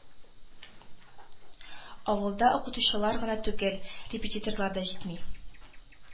Авылда укытучылар гына түгел, репетиторлар да җитми